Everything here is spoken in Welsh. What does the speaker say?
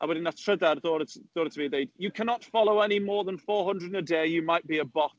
A wedyn wnaeth trydar ddod at ddod ataf i a dweud, You cannot follow any more than four hundred in a day, you might be a bot.